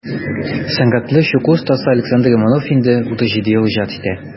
Сәнгатьле чүкү остасы Александр Иванов инде 37 ел иҗат итә.